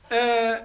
Hɛrɛ